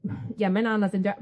Ie mae'n anodd on'd yw e?